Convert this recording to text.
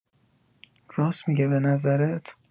راس می‌گه به نظرت؟